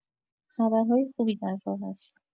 خبرهای خوبی در راه است.